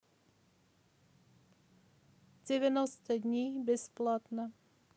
девяносто дней бесплатно